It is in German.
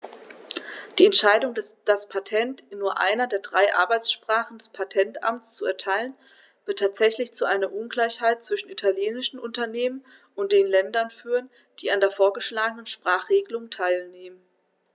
Die Entscheidung, das Patent in nur einer der drei Arbeitssprachen des Patentamts zu erteilen, wird tatsächlich zu einer Ungleichheit zwischen italienischen Unternehmen und den Ländern führen, die an der vorgeschlagenen Sprachregelung teilnehmen.